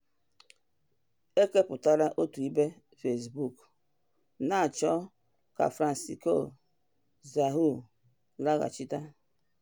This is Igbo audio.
Ekepụla otu ịbe Fezbuk na-achọ ka François Zahoui laghachita.